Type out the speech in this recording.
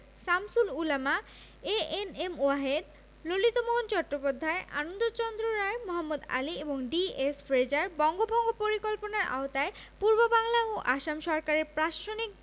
Shamsul Ulama A N M Wahed Lalitmohan Chattopadhyay Anandachandra Roy Mohammad Ali এবং D S. Fraser বঙ্গভঙ্গ পরিকল্পনার আওতায় পূর্ববাংলা ও আসাম সরকারের প্রশাসনিক